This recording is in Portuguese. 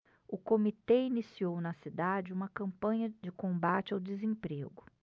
o comitê iniciou na cidade uma campanha de combate ao desemprego